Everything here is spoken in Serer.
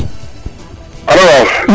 alo wa